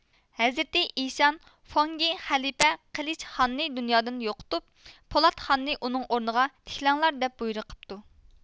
ھەزرىتى ئىشان فوڭگى خەلىپە قىلىچ خاننى دۇنيادىن يوقىتىپ پولات خاننى ئۇنىڭ ئورنىغا تىكلەڭلار دەپ بۇيرۇق قىپتۇ